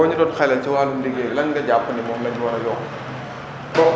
tey boo ñu doon xelal ci wàllum liggéey lan nga jàpp ne moom la ñu war a yokk